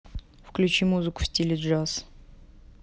включи музыку в стиле джаз